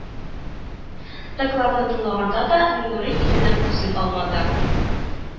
Докладны тыңлаганда да Миңнурый иреннән күзен алмады